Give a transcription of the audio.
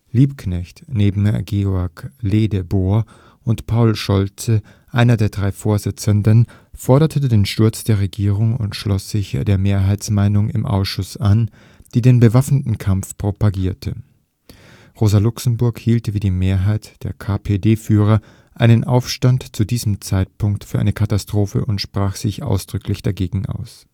Liebknecht, neben Georg Ledebour und Paul Scholze einer der drei Vorsitzenden, forderte den Sturz der Regierung und schloss sich der Mehrheitsmeinung im Ausschuss an, die den bewaffneten Kampf propagierte. Rosa Luxemburg hielt, wie die Mehrheit der KPD-Führer, einen Aufstand zu diesem Zeitpunkt für eine Katastrophe und sprach sich ausdrücklich dagegen aus